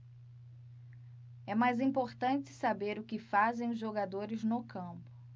é mais importante saber o que fazem os jogadores no campo